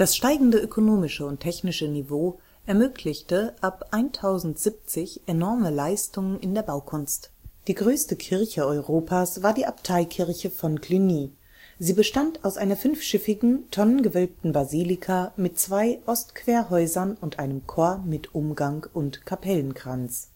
steigende ökonomische und technische Niveau ermöglichte ab ca. 1070 enorme Leistungen in der Baukunst. Die größte Kirche Europas war die Abteikirche von Cluny (ab 1088). Sie bestand aus einer fünfschiffigen, tonnengewölbten Basilika mit zwei Ostquerhäusern und einem Chor mit Umgang und Kapellenkranz